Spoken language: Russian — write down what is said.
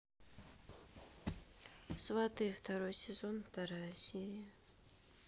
сваты второй сезон вторая серия